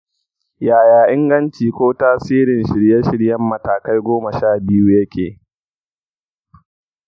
yaya inganci ko tasirin shirye-shiryen matakai goma sha biyu yake?